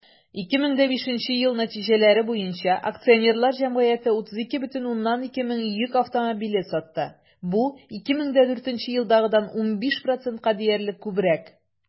2005 ел нәтиҗәләре буенча акционерлар җәмгыяте 32,2 мең йөк автомобиле сатты, бу 2004 елдагыдан 15 %-ка диярлек күбрәк.